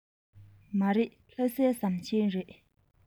མ རེད ལྷ སའི ཟམ ཆེན རེད